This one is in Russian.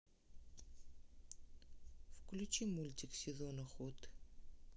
включи мультик сезон охоты